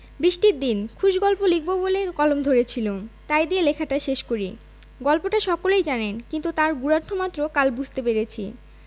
বৃষ্টির দিন খুশ গল্প লিখব বলে কলম ধরেছিলুম তাই দিয়ে লেখাটা শেষ করি গল্পটা সকলেই জানেন কিন্তু তার গূঢ়ার্থ মাত্র কাল বুঝতে পেরেছি